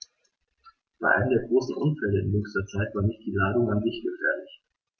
Bei einem der großen Unfälle in jüngster Zeit war nicht die Ladung an sich gefährlich.